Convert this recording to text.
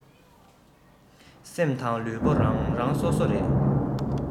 སེམས དང ལུས པོ རང རང སོ སོ རེད